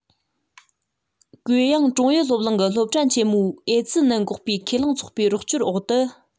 ཀོས ཡང ཀྲུང དབྱི སློབ གླིང གི སློབ གྲྭ ཆེན མོའི ཨེ ཙི ནད འགོག པའི ཁས བླངས ཚོགས པའི རོགས སྐྱོར འོག ཏུ